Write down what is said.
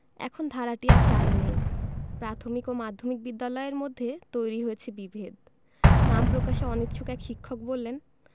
এখন ধারাটি আর চালু নেই প্রাথমিক ও মাধ্যমিক বিদ্যালয়ের মধ্যে তৈরি হয়েছে বিভেদ নাম প্রকাশে অনিচ্ছুক এক শিক্ষক বললেন